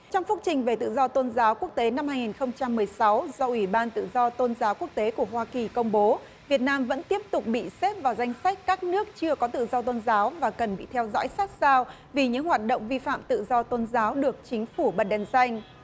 trong phúc trình về tự do tôn giáo quốc tế năm hai nghìn không trăm mười sáu do ủy ban tự do tôn giáo quốc tế của hoa kỳ công bố việt nam vẫn tiếp tục bị xếp vào danh sách các nước chưa có tự do tôn giáo và cần bị theo dõi sát sao vì những hoạt động vi phạm tự do tôn giáo được chính phủ bật đèn xanh